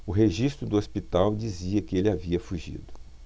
o registro do hospital dizia que ele havia fugido